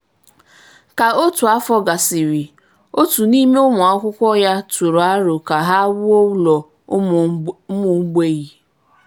Ka otu afọ gasiri, otu n'ime ụmụ akwụkwọ ya tụrụ aro ka ha wuo ụlọ ụmụ mgbei.